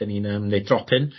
'Dyn ni'n yym neud drop in.